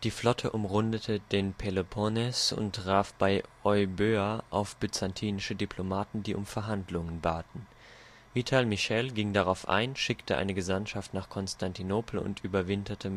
Flotte umrundete den Peloponnes und traf bei Euböa auf byzantinische Diplomaten, die um Verhandlungen baten. Vital Michele ging darauf ein, schickte eine Gesandtschaft nach Konstantinopel und überwinterte